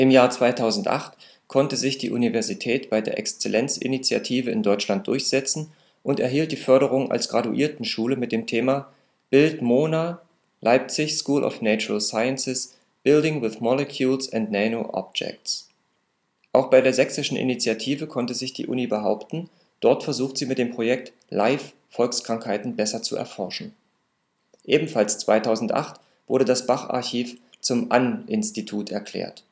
Jahr 2008 konnte sich die Universität bei der Exzellenzinitiative in Deutschland durchsetzen und erhielt die Förderung als Graduiertenschule mit dem Thema " BuildMoNa. Leipzig School of Natural Sciences - Building with Molecules and Nano-objects ". Auch bei der sächsischen Initiative konnte sich die Uni behaupten, dort versucht sie mit dem Projekt " Life " Volkskrankheiten besser zu erforschen. Ebenfalls 2008 wurde das Bach-Archiv zum An-Institut erklärt